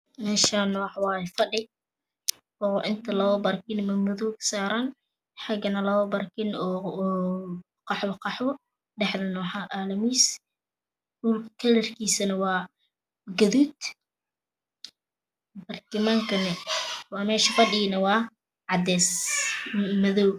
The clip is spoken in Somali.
Meshaan wax waye fadhi oo inta labo barkin ma madow saran xagane labo oo oo qaxwo qaxwo dhaxdane wax aalo miis dhulka kalarkisane waa gadud barkiman Kane waa mesha fadhiyane waa cades madow